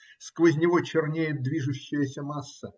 Сквозь него чернеет движущаяся масса.